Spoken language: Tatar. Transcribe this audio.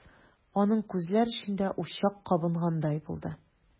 Аның күзләр эчендә учак кабынгандай булды.